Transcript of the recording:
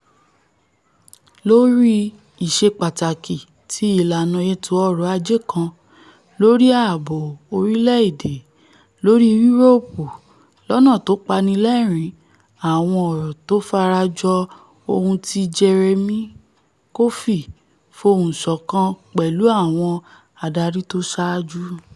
Lórí ìṣepàtàkì ti ìlànà ètò ọ̀rọ̀ ajé kan, lórí ààbò orílẹ̀-èdè, lórí Yuroopu, lọ́nà tó panilẹ́ẹ̀rín àwọm ọ̀rọ̀ tó farajọ ohun tí Jeremy kòfi fohùnṣọ̀kan pẹ̀lú àwọn adarí tó saáju.